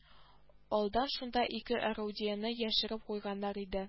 Алда шунда ике орудиене яшереп куйганнар иде